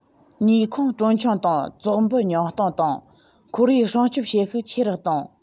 ནུས ཁུངས གྲོན ཆུང དང བཙོག འབུད ཉུང གཏོང དང ཁོར ཡུག སྲུང སྐྱོང བྱེད ཤུགས ཆེ རུ བཏང